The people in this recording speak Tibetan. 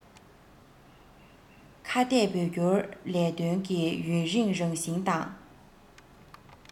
ཁ གཏད བོད སྐྱོར ལས དོན གྱི ཡུན རིང རང བཞིན དང